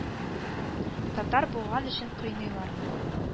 Татар булган өчен кыйныйлармы